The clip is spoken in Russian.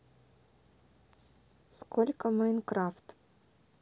сколько minecraft